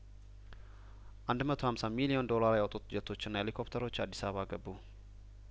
አንድ መቶ ሀምሳ ሚሊዮን ዶላር ያወጡት ጀቶችና ሄሊኮፕተሮች አዲስአባ ገቡ